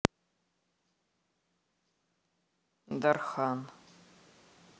дархан